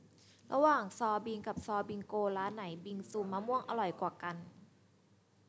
ระหว่างซอลบิงกับซอบิงโกร้านไหนบิงซูมะม่วงอร่อยกว่ากัน